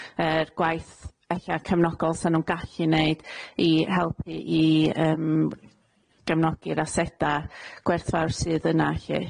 yr gwaith ella cefnogol 'sa nw'n gallu neud i helpu i yym gefnogi'r aseda' gwerthfawr sydd yna lly.